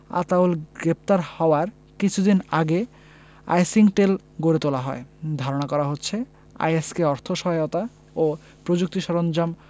আতাউল গ্রেপ্তার হওয়ার কিছুদিন আগে আইসিংকটেল গড়ে তোলা হয় ধারণা করা হচ্ছে আইএস কে অর্থ সহায়তা ও প্রযুক্তি সরঞ্জাম